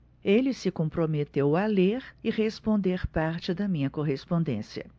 ele se comprometeu a ler e responder parte da minha correspondência